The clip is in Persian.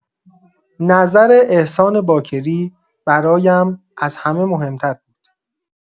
نظر احسان باکری برایم از همه مهمتر بود.